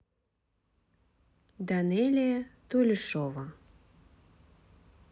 данелия тулешова